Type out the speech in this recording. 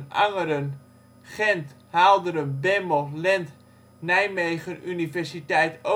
Angeren - Gendt - Haalderen - Bemmel - Lent - Nijmegen Universiteit Oostzijde/CS